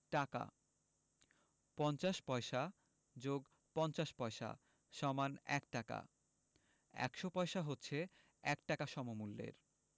টাকাঃ ৫০ পয়সা + ৫০ পয়স = ১ টাকা ১০০ পয়সা হচ্ছে ১ টাকা সমমূল্যের